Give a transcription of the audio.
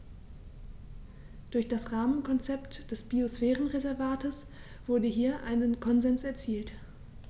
Durch das Rahmenkonzept des Biosphärenreservates wurde hier ein Konsens erzielt.